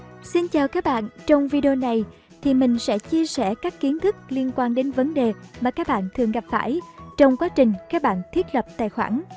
xin chào các bạn trong video này mình xin chia sẻ các kiến thức liên quan đến vấn đề mà các bạn thường gặp phải trong quá trình mà các bạn thiết lập tài khoản